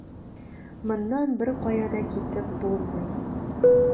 Моннан беркая да китеп булмый.